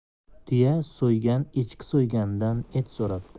tuya so'ygan echki so'ygandan et so'rabdi